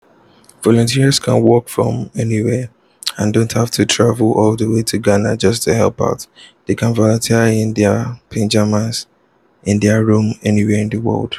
Volunteers can work from anywhere and don’t have to travel all the way to Ghana just to help out; they can volunteer in their pyjamas in their rooms anywhere in the world.